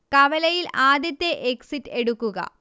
കവലയിൽ ആദ്യത്തെ എക്സിറ്റ് എടുക്കുക